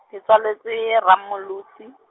ke tswaletswe, Rammolotsi.